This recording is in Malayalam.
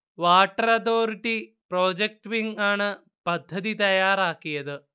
വാട്ടർ അതോറിട്ടി പ്രോജക്റ്റ് വിങ് ആണ് പദ്ധതി തയ്യാറാക്കിയത്